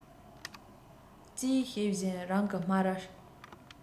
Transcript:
ཅེས བཤད བཞིན རང གི སྨ རར